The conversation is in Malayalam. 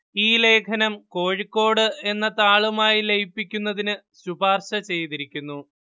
ഈ ലേഖനം കോഴിക്കോട് എന്ന താളുമായി ലയിപ്പിക്കുന്നതിന് ശുപാർശ ചെയ്തിരിക്കുന്നു